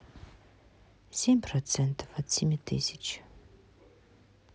семь процентов от семи тысяч